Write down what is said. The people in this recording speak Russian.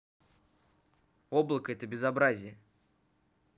облако это безобразие